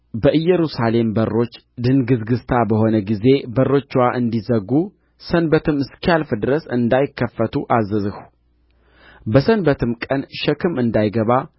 በኢየሩሳሌም በሮች ድንግዝግዝታ በሆነ ጊዜ በሮችዋ እንዲዘጉ ሰንበትም እስኪያልፍ ድረስ እንዳይከፈቱ አዘዝሁ በሰንበትም ቀን ሸክም እንዳይገባ